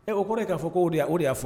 Ɛ o kɔrɔ ye k'a fɔ ko o y'a o de y'a fɔ